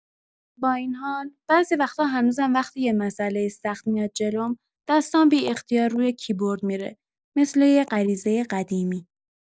با این حال، بعضی وقتا هنوزم وقتی یه مساله سخت میاد جلوم، دستام بی‌اختیار روی کیبورد می‌ره، مثل یه غریزۀ قدیمی.